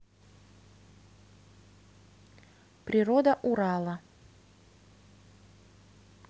природа урала